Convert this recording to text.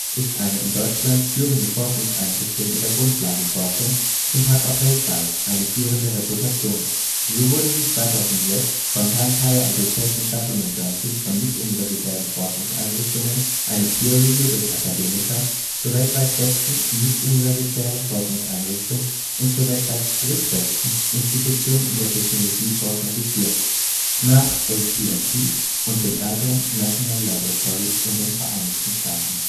ist eine in Deutschland führende Forschungsinstitution in der Grundlagenforschung und hat auch weltweit eine führende Reputation. So wurde sie 2006 vom Times Higher Education Supplement ranking von nicht-universitären Forschungsinstitutionen (peer review durch Akademiker) zur weltweit besten nicht-universitären Forschungseinrichtung und zur weltweit drittbesten Institution in der Technologieforschung gekürt (nach AT&T und dem Argonne National Laboratory in den Vereinigten Staaten